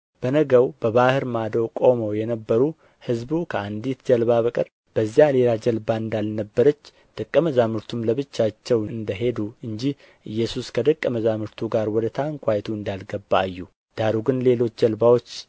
በነገው በባሕር ማዶ ቆመው የነበሩ ሕዝቡ ከአንዲት ጀልባ በቀር በዚያ ሌላ ጀልባ እንዳልነበረች ደቀ መዛሙርቱም ለብቻቸው እንደ ሄዱ እንጂ ኢየሱስ ከደቀ መዛሙርቱ ጋር ወደ ታንኳይቱ እንዳልገባ አዩ ዳሩ ግን ሌሎች ጀልባዎች